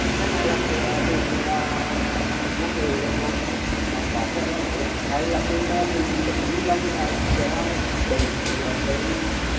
cái này là của viện à năng lượng việt nam có ca ron nước đây là quy mô hình túi ni lông mà treo đựng khí ở trên